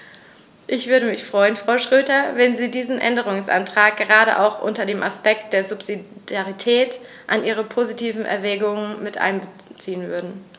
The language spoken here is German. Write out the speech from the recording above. Ich würde mich freuen, Frau Schroedter, wenn Sie diesen Änderungsantrag gerade auch unter dem Aspekt der Subsidiarität in Ihre positiven Erwägungen mit einbeziehen würden.